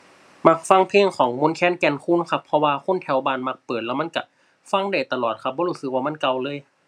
มักฟักเพลงของมนต์แคน แก่นคูนครับ เพราะว่าคนแถวบ้านมักเปิด แล้วมันก็ฟังได้ตลอดครับ บ่รู้สึกว่ามันเก่าเลย